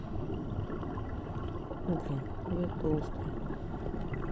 блин я толстая